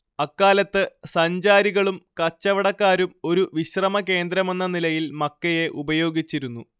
അക്കാലത്ത് സഞ്ചാരികളും കച്ചവടക്കാരും ഒരു വിശ്രമ കേന്ദ്രമെന്ന നിലയിൽ മക്കയെ ഉപയോഗിച്ചിരുന്നു